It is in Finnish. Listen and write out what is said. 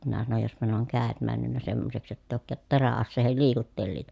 minä sanoin jospa ne on kädet mennyt semmoiseksi jotta ei olekaan teräaseiden liikuttelijoita